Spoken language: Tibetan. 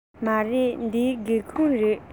མ རེད འདི སྒེའུ ཁུང རེད